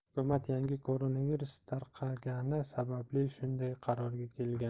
hukumat yangi koronavirus tarqalgani sababli shunday qarorga kelgan